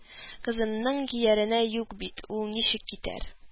– кызымның кияренә юк бит, ул ничек китәр